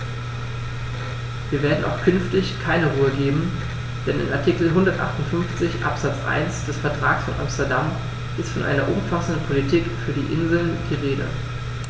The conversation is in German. Wir werden auch künftig keine Ruhe geben, denn in Artikel 158 Absatz 1 des Vertrages von Amsterdam ist von einer umfassenden Politik für die Inseln die Rede.